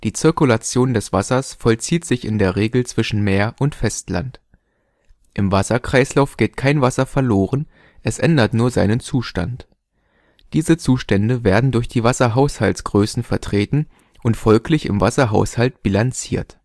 Zirkulation des Wassers vollzieht sich in der Regel zwischen Meer und Festland. Im Wasserkreislauf geht kein Wasser verloren, es ändert nur seinen Zustand. Diese Zustände werden durch die Wasserhaushaltsgrößen vertreten und folglich im Wasserhaushalt bilanziert